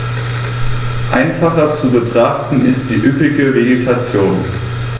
Einfacher zu betrachten ist die üppige Vegetation.